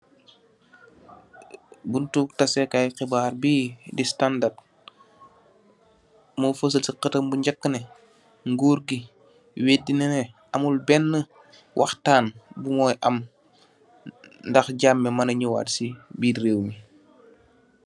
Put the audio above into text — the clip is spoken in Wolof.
Bonti taseh kai xibaar bi di standard mo fesal si xetam bu ngeh neh ngorgi wedina amut bena wahtan bu moi am ndah Jammeh mona nyowat si birr rew mi.